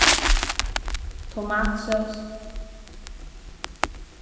tomatsós